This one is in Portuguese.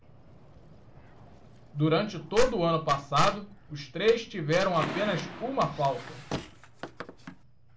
durante todo o ano passado os três tiveram apenas uma falta